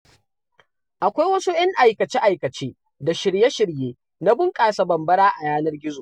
Akwai wasu 'yan aikace-aikace da shirye-shirye na bunƙasa Bambara a yanar gizo.